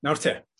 Nawr te.